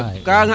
faaxe